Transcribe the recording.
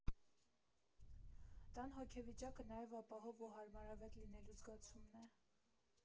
Տան հոգեվիճակը նաև ապահով ու հարմարվետ լինելու զգացումն է։